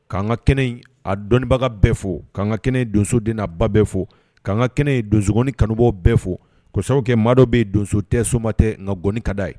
Ka' kan ka kɛnɛ a dɔnniibaga bɛ fo ka' kan ka kɛnɛ donsodnaba bɛ fo ka kan ka kɛnɛ donsogi kanubɔ bɛɛ fo kosakɛ maadɔ bɛ ye donso tɛ soma tɛ nkagɔnii ka da ye